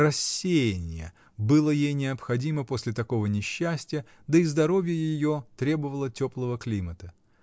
Рассеяние было ей необходимо после такого несчастья, да и здоровье ее требовало теплого климата.